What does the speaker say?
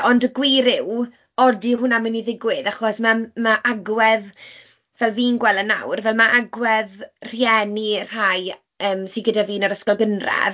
Ond y gwir yw odi hwnna'n mynd i ddigwydd, achos ma' ma' agwedd fel fi'n gweld yn awr, ma' agwedd rhieni rhai yym sy gyda fi yn yr ysgol gynradd.